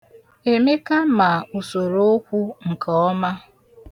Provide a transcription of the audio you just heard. Emeka ma usorookwu nke ọma.